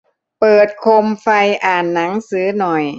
เปิดโคมไฟอ่านหนังสือหน่อย